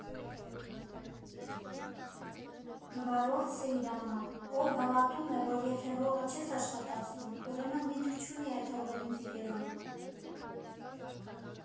Վարորդ Սեյրանը, ով հավատում է, որ եթե հողը չես աշխատացնում, ուրեմն միտք չունի այդ հողերին տիրելը։